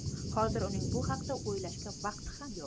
hozir uning bu haqda o'ylashga vaqti ham yo'q